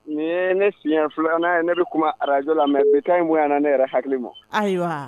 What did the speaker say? Nin ye ne siɲɛ fila an'a ye ne bɛ kuma arazo la mɛ bi taa munya na ne yɛrɛ hakili ma ayiwa